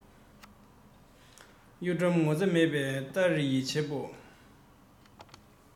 གཡོ ཁྲམ ངོ ཚ མེད པའི སྟ རེ ཡི བྱེད པོ